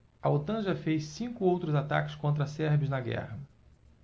a otan já fez cinco outros ataques contra sérvios na guerra